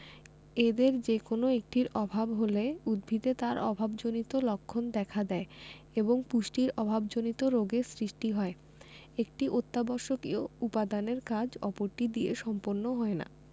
এদের যেকোনো একটির অভাব হলে উদ্ভিদে তার অভাবজনিত লক্ষণ দেখা দেয় এবং পুষ্টির অভাবজনিত রোগের সৃষ্টি হয় একটি অত্যাবশ্যকীয় উপাদানের কাজ অপরটি দিয়ে সম্পন্ন হয় না